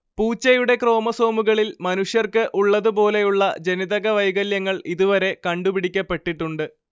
പൂച്ചയുടെ ക്രോമസോമുകളിൽ മനുഷ്യർക്ക് ഉള്ളതുപോലെയുള്ള ജനിതകവൈകല്യങ്ങൾ ഇതുവരെ കണ്ടുപിടിക്കപ്പെട്ടിട്ടുണ്ട്